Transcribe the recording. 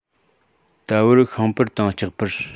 ད བར ཤིང པར དང ལྕགས པར